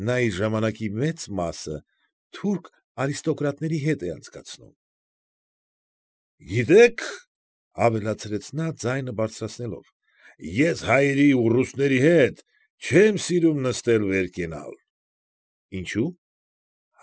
Նա իր ժամանակի մեծ մասը թուրք արիստոկրատների հետ է անցկացնում։ ֊ Գիտեք,֊ ավելացրեց նա, ձայնը ցածրացնելով,֊ ես հայերի ու ռուսների հետ չեմ սիրում նստել, վերկենալ։ ֊ Ինչո՞ւ,֊